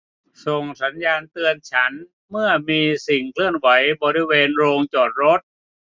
ส่งสัญญาณเตือนฉันเมื่อมีสิ่งเคลื่อนไหวบริเวณโรงจอดรถ